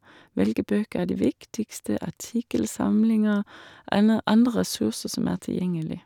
Hvilke bøker er de viktigste, artikkelsamlinger, anne andre ressurser som er tilgjengelig.